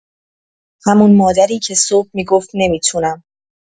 همون مادری که صبح می‌گفت نمی‌تونم.